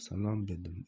salom berdim